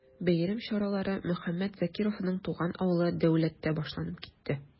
Бәйрәм чаралары Мөхәммәт Закировның туган авылы Дәүләттә башланып китте.